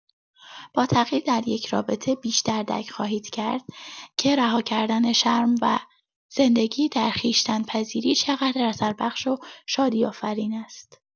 با تغییر دریک رابطه، بیشتر درک خواهید کرد که رهاکردن شرم و زندگی در خویشتن‌پذیری چقدر اثربخش و شادی‌آفرین است.